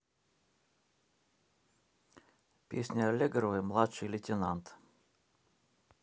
песня аллегровой младший лейтенант